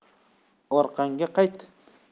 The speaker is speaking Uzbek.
orqangga qayt